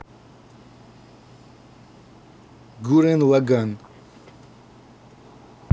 гурен лаган